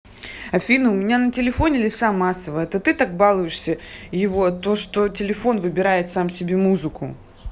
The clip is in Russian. афина у меня на телефоне леса массово это ты так балуешься его то что телефон выбирает сам себе музыку